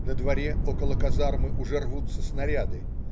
На дворе, около казармы уже рвутся снаряды.